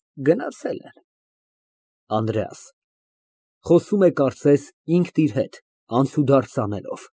Գնացել են։ ԱՆԴՐԵԱՍ ֊ (Խոսում է, կարծես ինքն իր հետ, անցուդարձ անելով)։